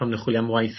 pan n'w chwilio am waith